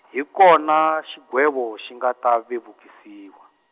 hi kona xigwevo xi nga ta vevukisiwa.